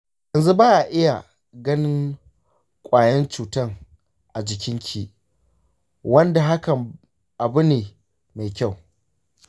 yanzu ba'a iya ganin ƙwayan cutan a jininki, wanda hakan abu ne mai kyau.